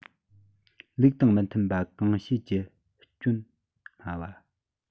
ལུགས དང མི མཐུན པ གང བྱས ཀྱི སྐྱོན སྨྲ བ